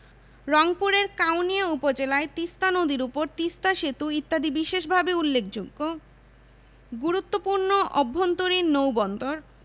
প্রধান মাছঃ স্বাদুপানির মাছ রুই কাতলা মৃগেল কালবাউস সরপুঁটি বোয়াল শোল গজার টাকি